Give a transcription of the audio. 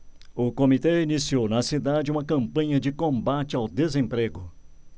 o comitê iniciou na cidade uma campanha de combate ao desemprego